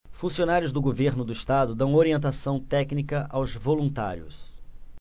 funcionários do governo do estado dão orientação técnica aos voluntários